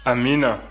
amiina